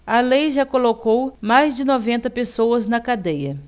a lei já colocou mais de noventa pessoas na cadeia